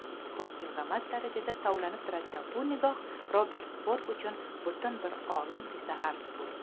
ko'z ilg'amas darajada tovlanib turadigan bu nigoh robert bork uchun butun bir olam desa arzigulik